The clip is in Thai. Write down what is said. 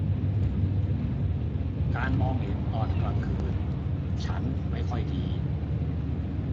การมองเห็นตอนกลางคืนฉันไม่ค่อยดี